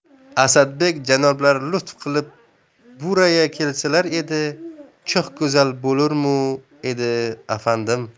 asadbek janoblari lutf qilib buraya kelsalar edi cho'x go'zal bo'lurmi edi afandim